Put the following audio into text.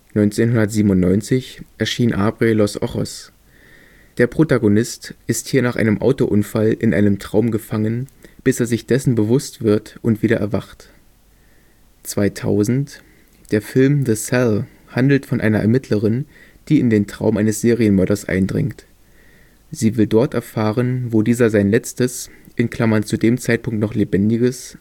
1997 erschien Abre los ojos. Der Protagonist ist hier nach einem Autounfall in einem Traum gefangen bis er sich dessen bewusst wird und wieder erwacht. 2000: Der Film The Cell handelt von einer Ermittlerin, die in den Traum eines Serienmörders eindringt. Sie will dort erfahren, wo dieser sein letztes (zu dem Zeitpunkt noch lebendiges